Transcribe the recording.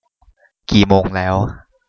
กี่โมงแล้ว